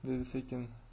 dedi sekin